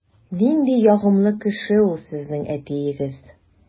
Нинди ягымлы кеше ул сезнең әтиегез!